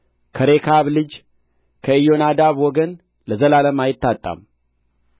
ከሬካብ ልጅ ከኢዮናዳብ ወገን ለዘላለም አይታጣም